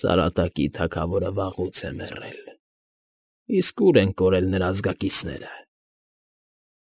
Սարատակի թագավորը վաղուց է մեռել, իսկ ո՞ւր են կորել նրա ազգականները։